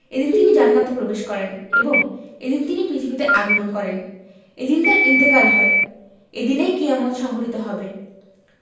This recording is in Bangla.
এদিন তিনি জান্নাতে প্রবেশ করেন এবং এদিন তিনি পৃথিবীতে আগমন করেন এদিন তাঁর ইন্তেকাল হয় এদিনেই কিয়ামত সংঘটিত হবে